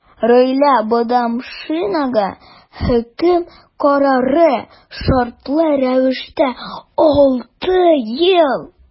Раилә Бадамшинага хөкем карары – шартлы рәвештә 6 ел.